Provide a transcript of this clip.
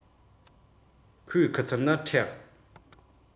ཁོའི ཁུ ཚུར ནི མཁྲེགས